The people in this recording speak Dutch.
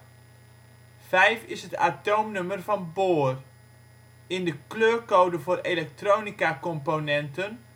Vijf is het atoomnummer van boor. In de kleurcode voor elektronicacomponenten